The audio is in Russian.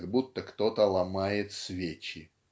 как будто кто-то ломает свечи.